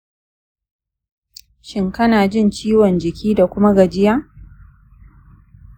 shin kana jin ciwon jiki da kuma gajiya?